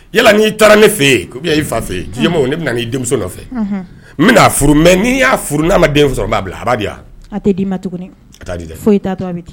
Yala n'i taara ne fɛ yen i fa fɛ diɲɛ ma ne bɛna'i denmuso nɔfɛ n furu mɛn n'i y'a furu n'a ma den sɔrɔ b'a bila a' tɛ' ma dɛ